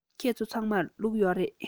ཁྱེད ཚོ ཚང མར ལུག ཡོད རེད